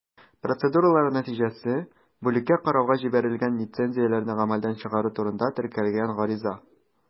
Процедуралар нәтиҗәсе: бүлеккә карауга җибәрелгән лицензияләрне гамәлдән чыгару турында теркәлгән гариза.